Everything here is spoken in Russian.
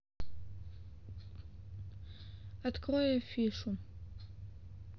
открой афишу